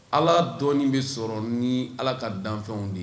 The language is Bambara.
Ala dɔ bɛ sɔrɔ ni ala ka danfɛnw de ye